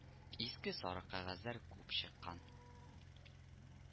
Иске сары кәгазьләр күп чыккан